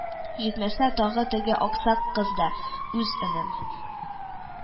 Җитмәсә, тагы теге аксак кыз да: "Үз энем